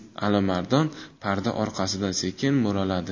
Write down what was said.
alimardon parda orqasidan sekin mo'raladi